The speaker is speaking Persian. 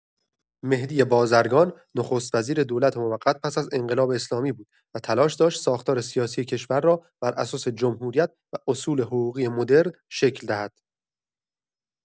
مهدی بازرگان نخست‌وزیر دولت موقت پس از انقلاب اسلامی بود و تلاش داشت ساختار سیاسی کشور را بر اساس جمهوریت و اصول حقوقی مدرن شکل دهد.